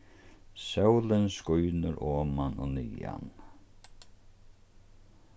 sólin skínur oman og niðan